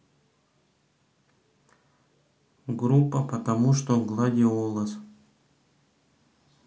группа потому что гладиолас